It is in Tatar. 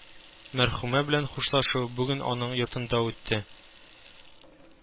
Мәрхүмә белән хушлашу бүген аның йортында үтте